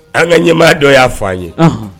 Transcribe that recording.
An ka ɲɛmaa dɔ y'a fɔ' an ye